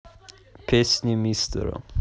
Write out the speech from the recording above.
песни мистера